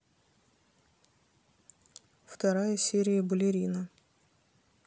вторая серия балерина